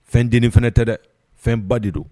Fɛn denin fana tɛ dɛ fɛn ba de don